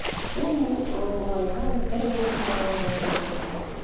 Мин бу уңайдан бернинди карар да кабул итмәдем.